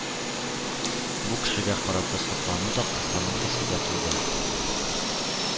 Бу кешегә карата соклану да, кызгану хисе дә туды